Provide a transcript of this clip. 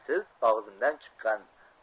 siz og'zimdan chiqqan